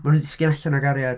Maen nhw'n disgyn allan o gariad.